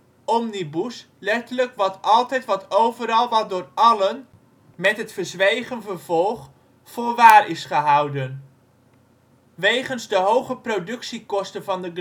Omnibus (letterlijk: Wat altijd, wat overal, wat door allen, met het verzwegen vervolg: voor waar is gehouden). Wegens de hoge productiekosten van de